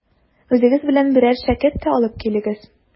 Үзегез белән берәр шәкерт тә алып килегез.